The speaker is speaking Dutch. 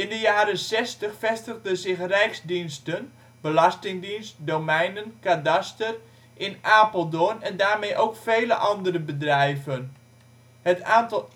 jaren zestig vestigden zich rijksdiensten (Belastingdienst, Domeinen, Kadaster) in Apeldoorn en daarmee ook vele andere bedrijven. Het aantal